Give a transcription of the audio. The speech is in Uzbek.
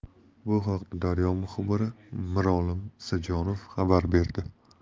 bu haqda daryo muxbiri mirolim isajonov xabar berdi